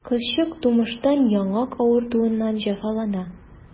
Кызчык тумыштан яңак авыруыннан җәфалана.